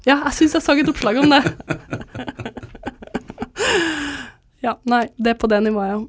ja jeg synes jeg så et oppslag om det ja nei det er på det nivået ja.